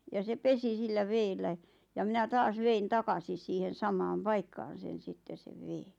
ja se pesi sillä vedellä ja minä taas vein takaisin siihen samaan paikkaan sen sitten sen veden